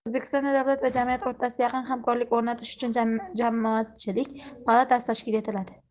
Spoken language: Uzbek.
o'zbekistonda davlat va jamiyat o'rtasida yaqin hamkorlik o'rnatish uchun jamoatchilik palatasi tashkil etiladi